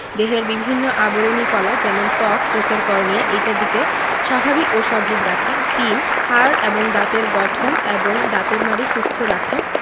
দেহের বিভিন্ন আবরণী কলা যেমন ত্বক চোখের কর্নিয়া ইত্যাদিকে স্বাভাবিক ও সজীব রাখে ৩. হাড় এবং দাঁতের গঠন এবং দাঁতের মাড়ি সুস্থ রাখে